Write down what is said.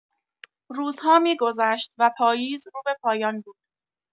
روزها می‌گذشت و پاییز رو به پایان بود.